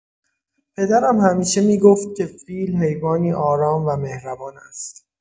پدرم همیشه می‌گفت که فیل حیوانی آرام و مهربان است.